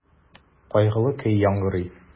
Кайгылы көй яңгырый.